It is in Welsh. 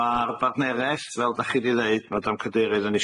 Ma'r bartnerieth, fel 'dach chi 'di ddeud, Madam Cadeirydd yn